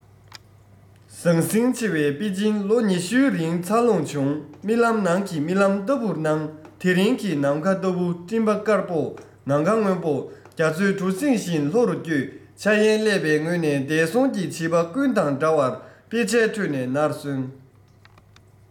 ཟང ཟིང ཆེ བའི པེ ཅིན ལོ ཉི ཤུའི རིང འཚར ལོངས བྱུང རྨི ལམ ནང གི རྨི ལམ ལྟ བུར སྣང དེ རིང གི ནམ མཁའ ལྟ བུ སྤྲིན པ དཀར པོ ནམ མཁའ སྔོན པོ རྒྱ མཚོའི གྲུ གཟིངས བཞིན ལྷོ རུ བསྐྱོད འཆར ཡན ཀླད པའི ངོས ནས འདས སོང བྱིས པ ཀུན དང འདྲ བར དཔེ ཆའི ཁྲོད ནས ནར སོན